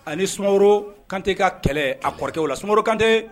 Ani sumaworo kantɛ ka kɛlɛ a kɔrɔkɛw la sumaworo kantɛ